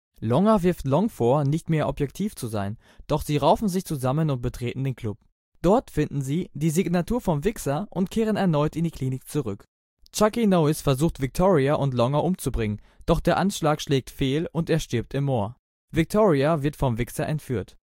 Longer wirft Long vor, nicht mehr objektiv zu sein, doch sie raufen sich zusammen und betreten den Club. Dort finden sie die Signatur vom Wixxer und kehren erneut in die Klinik zurück. Chucky Norris versucht Victoria und Longer umzubringen, doch der Anschlag schlägt fehl und er stirbt im Moor. Victoria wird vom Wixxer entführt